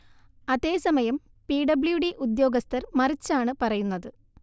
അതേ സമയം P W D ഉദ്യോഗസ്ഥർ മറിച്ചാണ് പറയുന്നത്